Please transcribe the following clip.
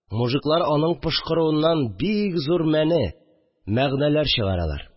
Мужиклар аның пошкыруыннан бик зур «мәне» (мәгънә)ләр чыгаралар